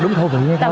đúng khẩu vị em